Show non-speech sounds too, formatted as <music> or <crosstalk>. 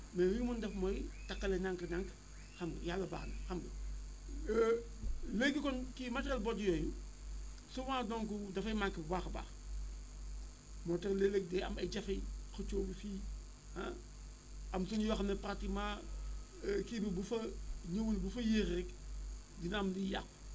mais li ñu mën def mooy taqale ndànk-ndànk xam nga yàlla baax na xam nga <hesitation> léegi kon kii matériel yooyu souvent donc dafay manqué bu baax a baax moo tax léeg-léeg day am ay jafe xëccoo bi fii ah am zones yoo xam ne pratiquement <hesitation> kii bi bu fa ñëwul bu fa yéexee rek dina am luy yàqu